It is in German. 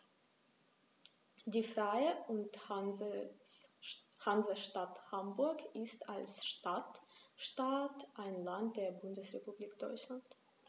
Die Freie und Hansestadt Hamburg ist als Stadtstaat ein Land der Bundesrepublik Deutschland.